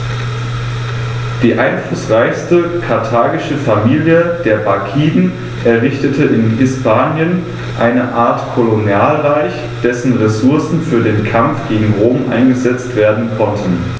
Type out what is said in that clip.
Die einflussreiche karthagische Familie der Barkiden errichtete in Hispanien eine Art Kolonialreich, dessen Ressourcen für den Kampf gegen Rom eingesetzt werden konnten.